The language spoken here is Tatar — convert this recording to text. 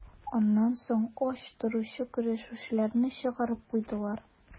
Аннан соң ач торучы көрәшчеләрне чыгарып куйдылар.